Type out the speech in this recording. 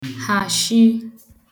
hà shiī